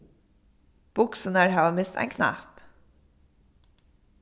buksurnar hava mist ein knapp